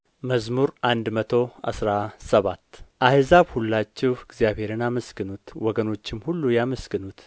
መዝሙር መቶ አስራ ሰባት አሕዛብ ሁላችሁ እግዚአብሔርን አመስግኑት ወገኖችም ሁሉ ያመስግኑት